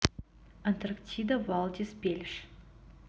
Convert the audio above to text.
антарктида валдис пельш